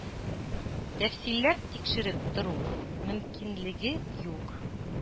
Тәфсилләп тикшереп тору мөмкинлеге юк